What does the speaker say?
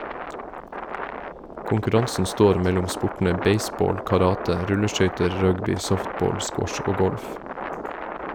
Konkurransen står mellom sportene baseball, karate, rulleskøyter, rugby, softball, squash og golf.